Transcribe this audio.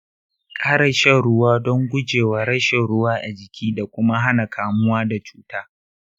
ƙara shan ruwa don guje wa rashin ruwa a jiki da kuma hana kamuwa da cuta.